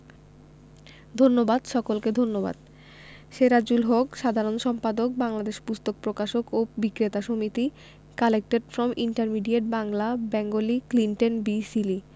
ধন্যবাদ সকলকে ধন্যবাদ সেরাজুল হক সাধারণ সম্পাদক বাংলাদেশ পুস্তক প্রকাশক ও বিক্রেতা সমিতি collected from intermediate Bangla Bengali Clinton B Seely